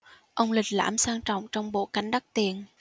ông lịch lãm sang trọng trong bộ cánh đắt tiền